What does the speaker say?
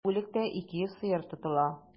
Бу бүлектә 200 сыер тотыла.